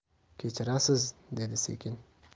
kechirasiz dedi sekin